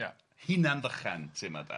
Hunan-ddychan ti'bod de?